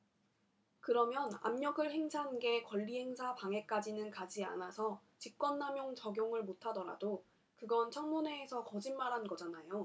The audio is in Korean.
그러면 압력을 행사한 게 권리행사 방해까지는 가지 않아서 직권남용 적용을 못하더라도 그건 청문회에서 거짓말한 거잖아요